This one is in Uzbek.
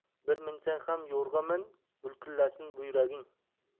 bir minsang ham yo'rg'a min bulkillasin buyraging